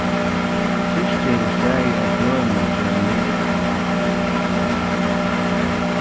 kirkja hevur staðið á bønum síðan miðøld